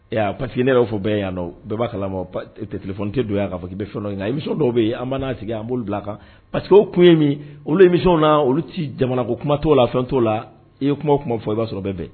I y'aa parce que ne y'o fɔ bɛɛ ye yani nɔ bɛɛ b'a kalama pa te téléphone te don yan k'a fɔ k'i bɛ fɛn dɔ ye nka émission dɔw bɛ yen an ba an n'a sigi an b'olu bilan a kan parce que o kun ye min ye olu émission u na olu ti jamana ko kuma t'o la fɛn t'o la i ye kuma o kuma fɔ i b'a sɔrɔ o bɛɛ bɛn